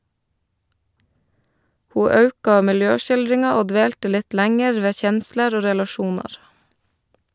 Ho auka miljøskildringa og dvelte litt lenger ved kjensler og relasjonar.